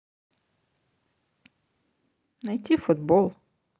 найти футбол